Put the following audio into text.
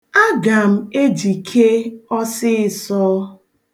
Aga m ejike ọsịịsọ.